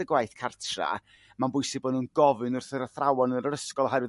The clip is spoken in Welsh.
y gwath cartra ma'n bwysig bo' n'w'n gofyn wrth yr athrawon yn yr ysgol oherwydd